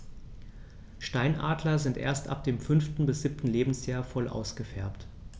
Steinadler sind erst ab dem 5. bis 7. Lebensjahr voll ausgefärbt.